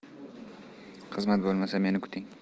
xizmat bo'lmasa meni kuting